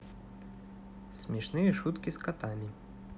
смешные шутки с котами